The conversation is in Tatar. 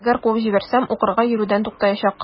Әгәр куып җибәрсәм, укырга йөрүдән туктаячак.